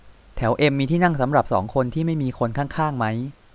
แถวเอ็มมีที่นั่งสำหรับสองคนที่ไม่มีคนข้างข้างมั้ย